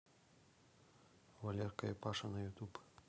валерка и паша на ютуб